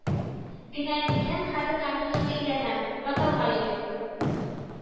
Генә килдем, хәзер компьютерны өйрәнәм, вокалга йөрим